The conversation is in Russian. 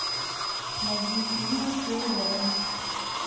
найди фильмы с переводом